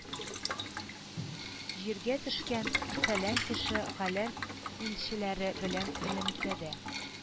Җиргә төшкән, фәлән кеше галәм илчеләре белән элемтәдә